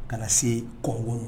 Ka na se kɔwo